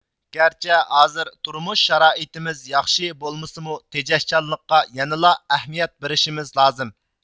گەرچە ھازىر تۇرمۇش شارائىتىمىز ياخشى بولسىمۇ تېجەشچانلىققا يەنىلا ئەھمىيەت بېرىشىمىز لازىم